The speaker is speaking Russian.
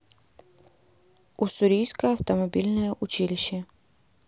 уссурийское автомобильное училище